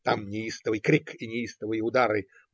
Там неистовый крик и неистовые удары